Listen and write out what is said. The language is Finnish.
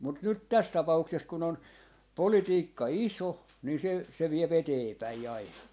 mutta nyt tässä tapauksessa kun on politiikka iso niin se se vie eteenpäin aina